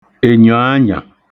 ènyòanyà